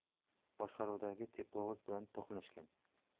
boshqaruvidagi teplovoz bilan to'qnashgan